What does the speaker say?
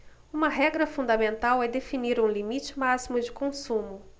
uma regra fundamental é definir um limite máximo de consumo